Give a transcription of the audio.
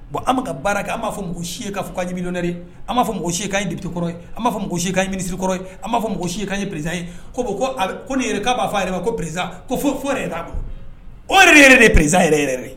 Bɔn an ma ka baara kɛ an b'a fɔsi ye kaa fɔ kamire an b'a fɔ gosisikan ɲi biti kɔrɔ an b'a fɔ gosisikan mini kɔrɔ b'a fɔ gosisi ye kanye priz ye ko bɔn ko ne k' b'a fɔ a yɛrɛ ma ko perez ko fo yɛrɛ t'a o yɛrɛ de perez yɛrɛ yɛrɛ ye